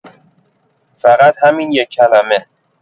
فقط همین یک کلمه.